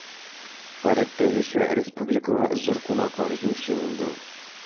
Гадәттәгечә, республикага зур кунаклар җыючы булды ул.